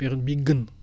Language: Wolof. période bi gën